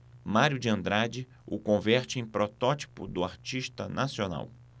mário de andrade o converte em protótipo do artista nacional